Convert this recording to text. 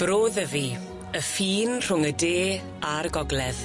Bro Ddyfi, y ffin rhwng y de a'r gogledd.